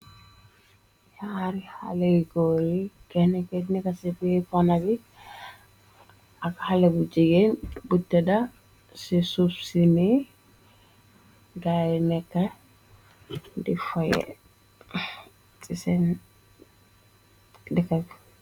Ñaari xalé yu goor yi, Kenna nekka si ponno bi, ak xalé bu jigéen bu tada ci suuf si nii gaa yi nekka di fooye.